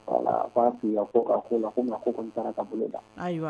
Tun' ko la ko kɔni taara ka bolo da